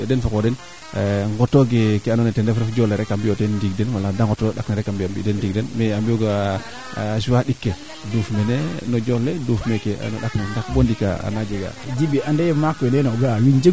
i meeete yip ina a camion le sa mbaxin kamo qol le tout kaa faax ndaa mete juum ina juum maaga waage soti parce que kaa xaand bata xup kaa dox u maaga parce que xar doxuma kaa jeg keena ñoowa no laŋ ke aussi